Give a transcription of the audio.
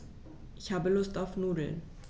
Ich habe Lust auf Nudeln.